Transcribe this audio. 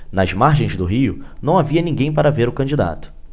nas margens do rio não havia ninguém para ver o candidato